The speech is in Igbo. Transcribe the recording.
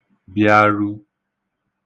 bị̄ārū